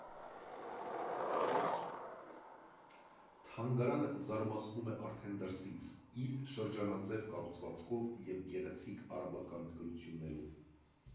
Թանգարանը զարմացնում է արդեն դրսից՝ իր շրջանաձև կառուցվածքով և գեղեցիկ արաբական գրություններով։